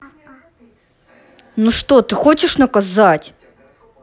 ну что ты хочешь наказать